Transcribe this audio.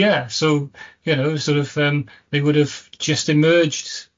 Ie so, you know sor' of yym, they would've just emerged